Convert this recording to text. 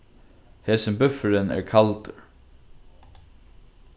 hesin búffurin er kaldur